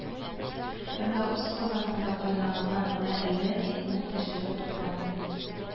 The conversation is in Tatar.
Әмма үз казаныңда кайнаганнан гына әлләни мул тәҗрибә тупланмый